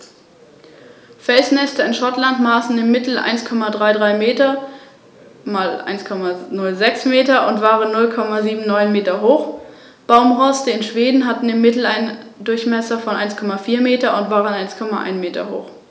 Einfacher zu betrachten ist die üppige Vegetation.